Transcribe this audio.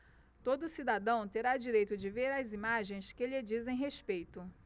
todo cidadão terá direito de ver as imagens que lhe dizem respeito